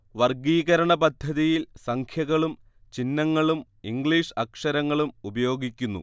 വർഗ്ഗീകരണ പദ്ധതിയിൽ സംഖ്യകളും ചിഹ്നങ്ങളും ഇംഗ്ലീഷ് അക്ഷരങ്ങളും ഉപയോഗിക്കുന്നു